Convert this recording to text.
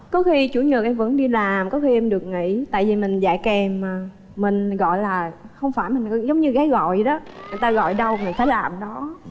có khi chủ nhật em vẫn đi làm có khi em được nghỉ tại vì mình dạy kèm mà mình gọi là không phải mình giống như gái gọi vậy đó người ta gọi đâu mình tới làm đó